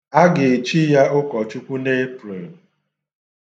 A ga-echi ya ụkọchukwu n'Epreel.